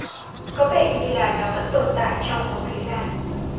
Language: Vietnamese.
có vẻ như là nó vẫn tồn tại trong một thời gian